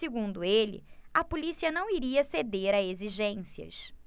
segundo ele a polícia não iria ceder a exigências